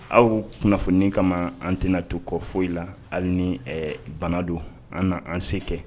Aw kunnafoni kama an tɛna to kɔ fosi la hali ni ɛ bana don, an na an sen kɛ.